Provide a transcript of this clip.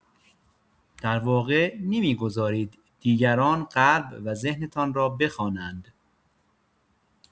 در واقع نمی‌گذارید دیگران قلب و ذهنتان را بخوانند.